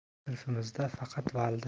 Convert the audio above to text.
sinfimizda faqat valida